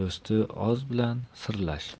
do'sti oz bilan sirlash